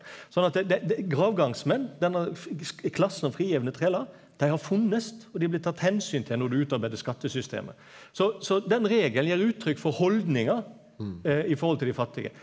sånn at det det gravgangsmenn denne klassen av frigjevne trælar, dei har funnest og dei blei tatt omsyn til når du utarbeidde skattesystemet, så så den regelen gjev uttrykk for haldningar i forhold til dei fattige.